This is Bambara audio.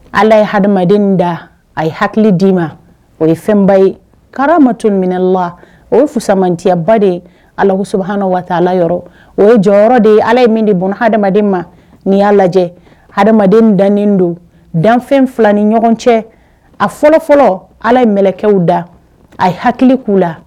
Ala ye ha adamaden da a ye hakili d' ma o ye fɛnba ye ka ma toonminɛ la o ye fusamantiyaba de ye ala koso hauna waati yɔrɔ o ye jɔyɔrɔ de ye ala ye min de bɔn ha adama ma n y'a lajɛ ha adamaden dannen don danfɛn fila ni ɲɔgɔn cɛ a fɔlɔ fɔlɔ ala ye mkɛw da a ye hakili k'u la